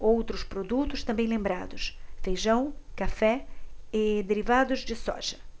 outros produtos também lembrados feijão café e derivados de soja